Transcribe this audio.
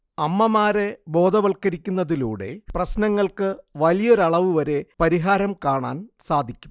അമ്മമാരെ ബോധവൽക്കരിക്കുന്നതിലൂടെ പ്രശ്നങ്ങൾക്ക് വലിയൊരളവുവരെ പരിഹാരം കാണാൻ സാധിക്കും